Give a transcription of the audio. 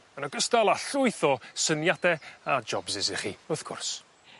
yn ogystal â llwyth o syniade a jobsys i chi wrth gwrs.